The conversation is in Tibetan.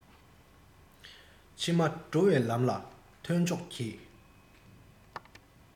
ཕྱི མ འགྲོ བའི ལམ ལ ཐོན ཆོག གྱིས